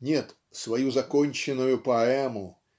нет свою законченную поэму